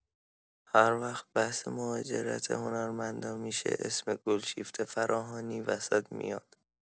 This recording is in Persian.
هر وقت بحث مهاجرت هنرمندا می‌شه، اسم گلشیفته فراهانی وسط میاد.